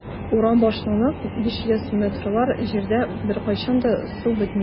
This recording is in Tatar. Урам башланып 500 метрлап җирдә беркайчан да су бетми.